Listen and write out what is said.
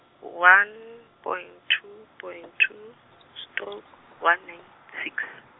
one, point two point two stroke one nine six.